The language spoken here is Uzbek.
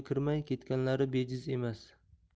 kirmay ketganlari bejiz emas